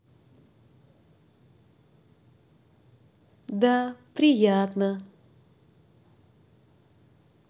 да приятно